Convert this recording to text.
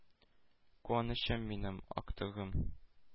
Куанычым минем, актыгым!